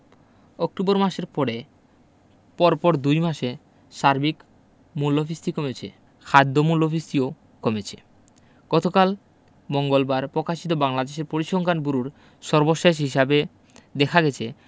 October মাসের পরে পরপর দুই মাস সার্বিক মূল্যস্ফীতি কমেছে খাদ্য মূল্যস্ফীতিও কমেছে গতকাল মঙ্গলবার প্রকাশিত বাংলাদেশ পরিসংখ্যান ব্যুরোর বিবিএস সর্বশেষ হিসাবে দেখা গেছে